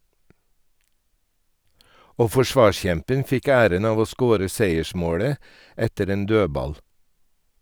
Og forsvarskjempen fikk æren av å score seiersmålet etter en dødball.